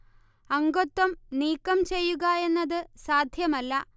അംഗത്വം നീക്കം ചെയ്യുക എന്നത് സാധ്യമല്ല